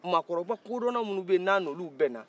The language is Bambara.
maakɔrɔba kodɔnnan minnu bɛ yen n'a n'olu bɛn na